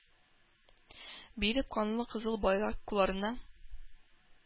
Биреп канлы кызыл байрак кулларына,